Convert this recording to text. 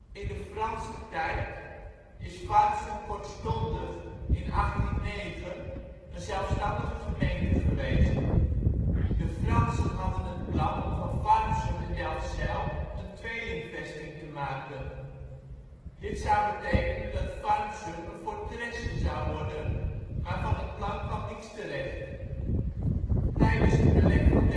In de Franse tijd is Farmsum kortstondig, in 1809, een zelfstandige gemeente geweest. De Fransen hadden het plan om van Farmsum en Delfzijl een tweelingvesting te maken. Dit zou betekenen dat Farmsum een fortresse zou worden, maar van het plan kwam niets terecht. Tijdens het beleg van